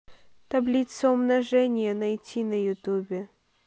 таблица умножения найти на ютюбе